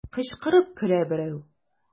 Кычкырып көлә берәү.